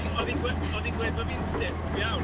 Oedd hi'n gwe- oedd hi'n gweud bo' fi'n stiff iawn.